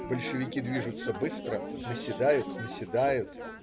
Большевики движутся быстро, наседают, наседают.